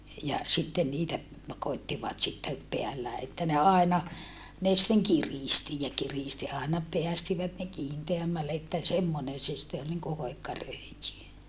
ja sitten niitä koettivat sitten päällään että ne aina ne sitten kiristi ja kiristi aina päästivät ne kiinteämmälle että semmoinen se sitten oli niin kuin hoikka röijy